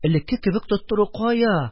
Элекке кебек тоттыру кая,